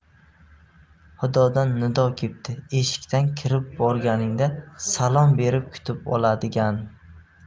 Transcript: xudodan nido kepti eshikdan kirib borganingda salom berib kutib oladigan